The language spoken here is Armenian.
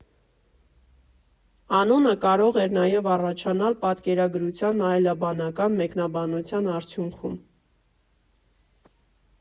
Անունը կարող էր նաև առաջանալ պատկերագրության այլաբանական մեկնաբանության արդյունքում։